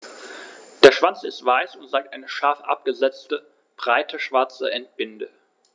Der Schwanz ist weiß und zeigt eine scharf abgesetzte, breite schwarze Endbinde.